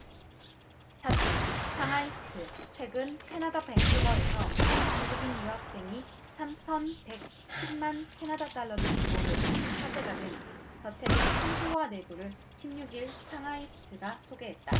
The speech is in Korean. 사진 상하이스트최근 캐나다 밴쿠버에서 한 중국인 유학생이 삼천 백 십 만 캐나다 달러를 주고 매입해 화제가 된 저택의 초호화 내부를 십 육 일 상하이스트가 소개했다